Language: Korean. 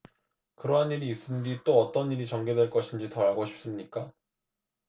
그러한 일이 있은 뒤 또 어떤 일이 전개될 것인지 더 알고 싶습니까